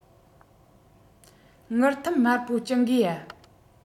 དངུལ ཐུམ དམར པོ སྦྱིན དགོས ཡ